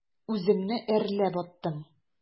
Үземне әрләп аттым.